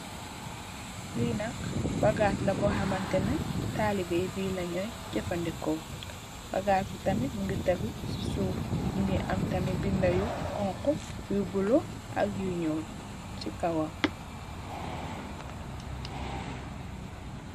Li nak bagaas la buxamteni talibeh yi li la ñii jafandiko. Bagaas bi tamid mugi tégu si suuf mugii am tamit bindé yu xonxu, yu bula ak yu ñuul si kawam.